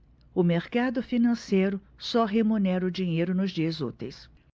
o mercado financeiro só remunera o dinheiro nos dias úteis